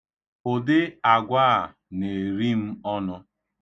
Ụdị agwa a na-eri m ọnụ.